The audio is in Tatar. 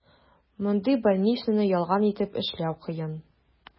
Мондый больничныйны ялган итеп эшләү кыен.